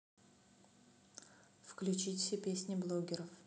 включить все песни блогеров